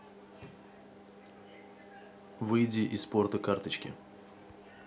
выйди из порта карточки